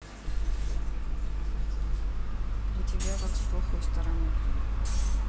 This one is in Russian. для тебя как с плохой стороны